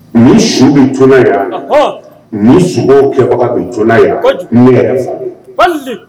Ni su bɛ to yan ni su' kɛbaga bɛ to yan nɛgɛ